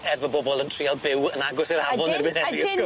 er fy bobol yn trial byw yn agos i'r afon